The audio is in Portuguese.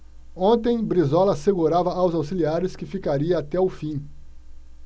ontem brizola assegurava aos auxiliares que ficaria até o fim